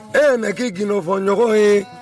E ye na kɛ gfɔɲɔgɔn ye